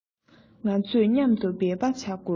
ང ཚོས མཉམ དུ འབད པ བྱ དགོས